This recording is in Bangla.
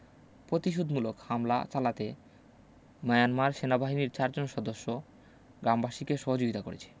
পতিশুধমূলক হামলা চালাতে মায়ানমার সেনাবাহিনীর চারজন সদস্য গামবাসীকে সহযোগিতা করেছে